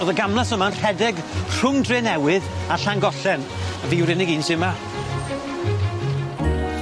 O'dd y gamlas yma'n rhedeg rhwng Drenewydd a Llangollen a fi yw'r unig un sy 'ma.